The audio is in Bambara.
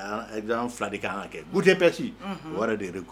De ka kɛ gte de